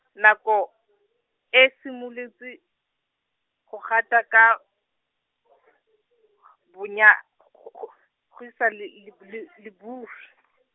nako, e simolotse, go gata ka, bonya, g- g- gos- gisa le e lebu le le buufs- .